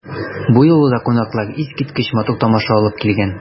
Бу юлы да кунаклар искиткеч матур тамаша алып килгән.